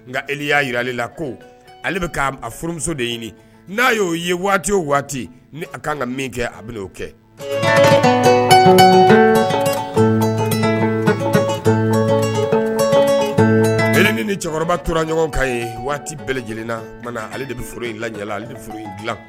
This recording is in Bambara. Nka e y'a jira ale la ko ale bɛ k' a furumuso de ɲini n'a y'o ye waati o waati ni a kan ka min kɛ a'o kɛ e ni ni cɛkɔrɔba tora ɲɔgɔn kan waati bɛɛ lajɛlen ale de bɛ furu in lala ale furu in dila